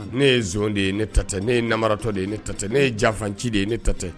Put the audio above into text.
Ne ye de ye ne ta tɛ ne ye naratɔ de ye ne ta tɛ ne ye janfaci de ye ne ta tɛ